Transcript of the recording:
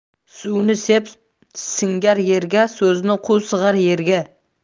suvni sep singar yerga so'zni qu sig'ar yerga